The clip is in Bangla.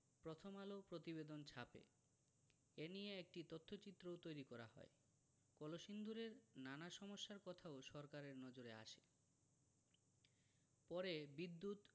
প্রথম আলো প্রতিবেদন ছাপে এ নিয়ে একটি তথ্যচিত্রও তৈরি করা হয় কলসিন্দুরের নানা সমস্যার কথাও সরকারের নজরে আসে পরে বিদ্যুৎ